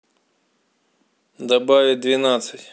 добавить двенадцать